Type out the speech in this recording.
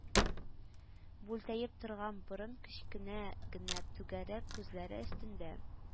Бүлтәеп торган борын, кечкенә генә түгәрәк күзләре өстендә